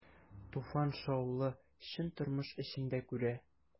Туфан шаулы, чын тормыш эчендә күрә.